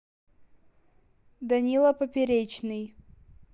данила поперечный